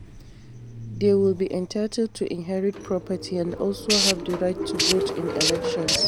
They will be entitled to inherit property and will also have the right to vote in elections.